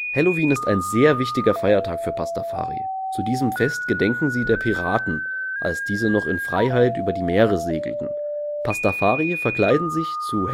Halloween ist ein sehr wichtiger Feiertag für Pastafari. Zu diesem Fest gedenken sie der Piraten, als diese noch in Freiheit über die Meere segelten. Pastafari verkleiden sich zu